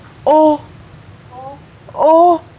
ô ô